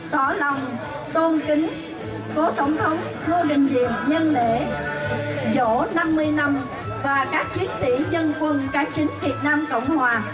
tỏ lòng tôn kính cố tổng thống ngô đình diệm nhân lễ giỗ năm mươi năm và các chiến sĩ dân quân cáng chính việt nam cộng hòa